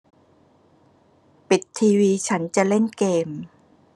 ปิดทีวีฉันจะเล่นเกม